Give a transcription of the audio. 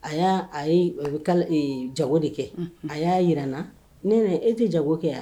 A a a jago de kɛ a y'a jirana ne e tɛ jago kɛ yan